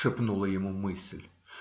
- шепнула ему мысль.